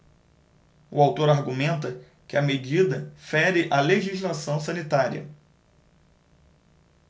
o autor argumenta que a medida fere a legislação sanitária